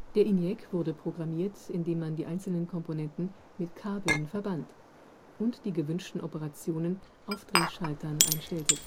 Der ENIAC wurde programmiert, indem man die einzelnen Komponenten mit Kabeln verband und die gewünschten Operationen auf Drehschaltern einstellte